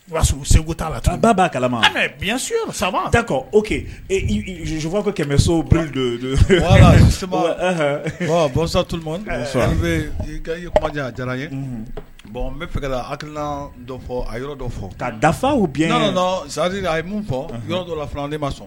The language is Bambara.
Segu'a la b'a kala biyan su kɔ ofakɛ kɛmɛ sodo bɔnsatu diyara ye bɔn n bɛ fɛ la haki fɔ a yɔrɔ dɔ fɔ ka dafa zanali a ye fɔ yɔrɔ dɔ fanaden ma sɔn